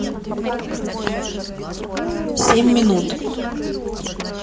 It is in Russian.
семь минут